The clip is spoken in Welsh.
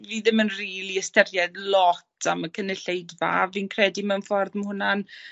fi ddim yn rili ystyried lot am y cynulleidfa fi'n credu mewn ffordd ma' hwnna'n